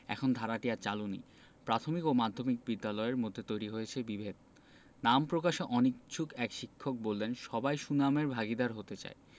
এখন ধারাটি আর চালু নেই প্রাথমিক ও মাধ্যমিক বিদ্যালয়ের মধ্যে তৈরি হয়েছে বিভেদ নাম প্রকাশে অনিচ্ছুক এক শিক্ষক বললেন সবাই সুনামের ভাগীদার হতে চায়